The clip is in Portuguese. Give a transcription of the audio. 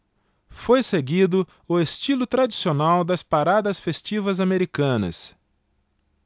foi seguido o estilo tradicional das paradas festivas americanas